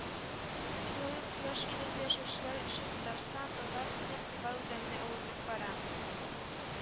Шулай ук кояш илендә яшәүчеләр өчен Татарстан, татар теле игътибар үзәгенә әверелеп бара